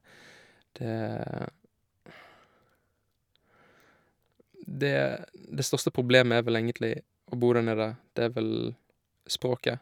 det det Det største problemet er vel egentlig å bo der nede, det er vel språket.